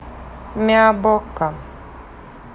mia bocca